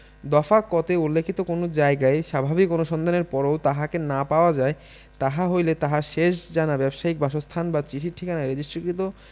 দফা ক তে উল্লেখিত কোন জায়গায় স্বাভাবিক অনুসন্ধানের পরও তাহাকে না পাওয়া যায় তাহা হইলে তাহার শেষ জানা ব্যবসায়িক বাসস্থান বা চিঠির ঠিকানায় রেজিষ্ট্রিকৃত